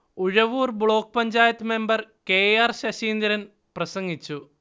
Uzhavoor block panchayat member K. R. Saseendran പ്രസംഗിച്ചു